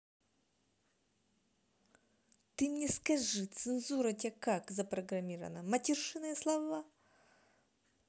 ты мне скажи цензура у тебя как запрограмировано матершинные слова